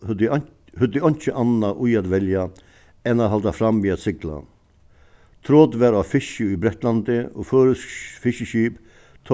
høvdu høvdu einki annað í at velja enn at halda fram við at sigla trot var á fiski í bretlandi og føroysk fiskiskip